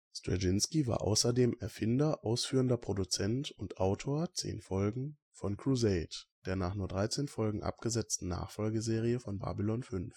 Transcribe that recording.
Straczynski war außerdem Erfinder, ausführender Produzent und Autor (10 Folgen) von Crusade, der nach nur 13 Folgen abgesetzten Nachfolgeserie von Babylon